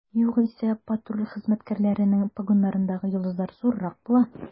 Югыйсә, патруль хезмәткәрләренең погоннарындагы йолдызлар зуррак була.